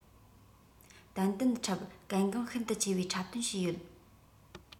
ཏན ཏན འཁྲབ གལ འགངས ཤིན ཏུ ཆེ བའི འཁྲབ སྟོན བྱས ཡོད